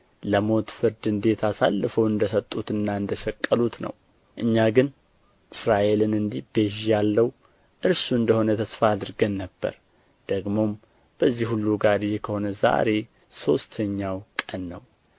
ለሞት ፍርድ እንዴት አሳልፈው እንደ ሰጡትና እንደ ሰቀሉት ነው እኛ ግን እስራኤልን እንዲቤዥ ያለው እርሱ እንደ ሆነ ተስፋ አድርገን ነበር ደግሞም ከዚህ ሁሉ ጋር ይህ ከሆነ ዛሬ ሦስተኛው ቀን ነው